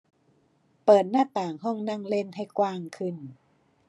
เปิดหน้าต่างห้องนั่งเล่นให้กว้างขึ้น